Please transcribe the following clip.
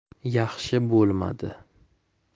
yaxshi bo'lmadi